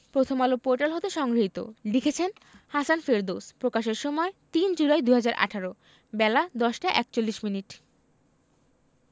Prothom Alo portal হতে সংগৃহীত লিখেছেন হাসান ফেরদৌস প্রকাশের সময় ৩ জুলাই ২০১৮ বেলা ১০টা ৪১মিনিট